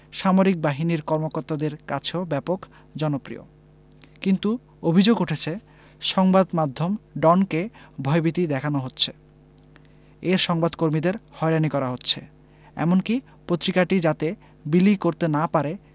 সামরিক বাহিনীর কর্মকর্তাদের কাছেও ব্যাপক জনপ্রিয় কিন্তু অভিযোগ উঠেছে সংবাদ মাধ্যম ডনকে ভয়ভীতি দেখানো হচ্ছে এর সংবাদ কর্মীদের হয়রানি করা হচ্ছে এমনকি পত্রিকাটি যাতে বিলি করতে না পারে